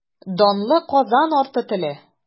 Данлы Казан арты теле.